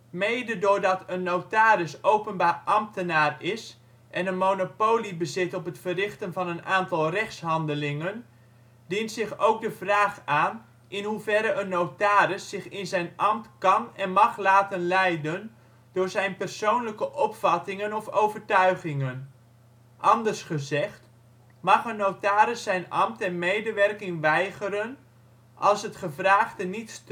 Mede doordat een notaris openbaar ambtenaar is en een monopolie bezit op het verrichten van een aantal rechtshandelingen, dient zich ook de vraag aan in hoeverre een notaris zich in zijn ambt kan en mag laten leiden door zijn persoonlijke opvattingen of overtuigingen. Anders gezegd: mag een notaris zijn ambt en medewerking weigeren als het gevraagde niet